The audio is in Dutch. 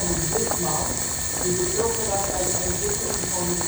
Witmann, die betrokken was bij de ontwikkeling van de